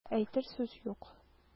Ә әйтер сүз юк.